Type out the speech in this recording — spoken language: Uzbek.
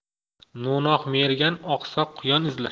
no'noq mergan oqsoq quyon izlar